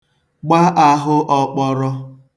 gba āhụ̄ ọ̄kpọ̄rọ̄